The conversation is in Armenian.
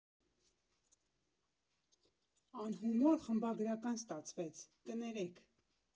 Անհումոր խմբագրական ստացվեց, կներե՛ք ։